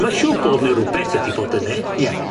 Ma' siŵr bod 'ne rwbeth wedi bod yne. Ie.